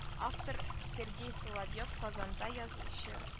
Автор сергей соловьев казанда язучы